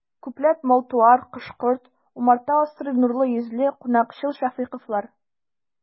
Күпләп мал-туар, кош-корт, умарта асрый нурлы йөзле, кунакчыл шәфыйковлар.